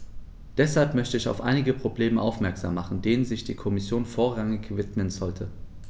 Deshalb möchte ich auf einige Probleme aufmerksam machen, denen sich die Kommission vorrangig widmen sollte.